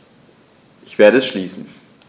Ich werde es schließen.